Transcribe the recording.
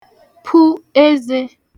pu ezē